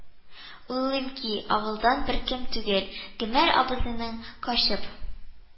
Уйлыйм ки, авылдан беркем түгел, Гомәр абзыйның качып